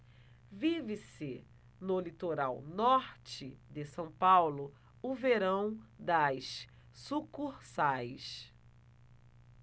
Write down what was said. vive-se no litoral norte de são paulo o verão das sucursais